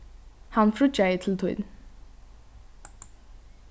hann fríggjaði til tín